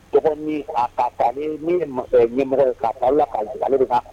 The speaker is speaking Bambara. Mɔgɔ min ka fa ɲɛmɔgɔ ka fa ka falen